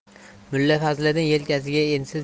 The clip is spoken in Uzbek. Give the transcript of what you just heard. mulla fazliddin yelkasiga ensiz jiyak